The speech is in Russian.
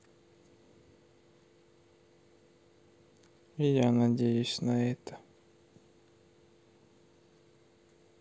и я надеюсь на это